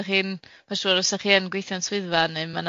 dach chi'n ma'n siwr os dach chi yn gweithio'n swyddfa neu ma'